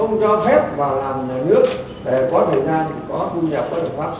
không cho phép vào làm nhà nước để có thời gian có thu nhập